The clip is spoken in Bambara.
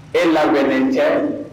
E labɛnnenɛn cɛ